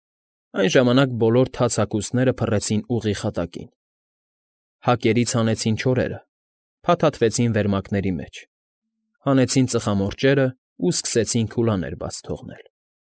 Այն ժամանակ բոլորը թաց հագուստները փռեցին ուղիղ հատակին, հակերից հանեցին չորերը, փաթաթվեցին վերմակների մեջ, հանեցին ծխամորճերն ու սկսեցին քուլաներ բաց թողնել։